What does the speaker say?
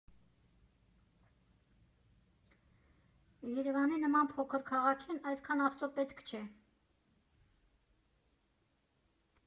Երևանի նման փոքր քաղաքին այդքան ավտո պետք չէ։